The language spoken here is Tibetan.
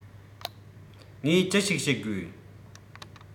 ངས ཅི ཞིག བཤད དགོས